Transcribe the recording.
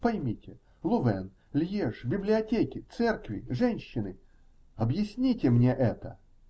Поймите: Лувэн, Льеж, библиотеки, церкви, женщины. Объясните мне это!.